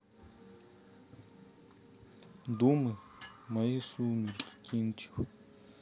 думы мои сумерки кинчев